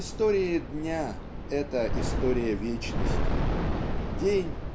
История дня - это история вечности. День